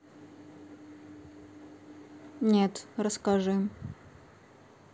нет расскажи